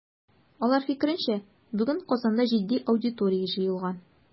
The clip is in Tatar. Алар фикеренчә, бүген Казанда җитди аудитория җыелган.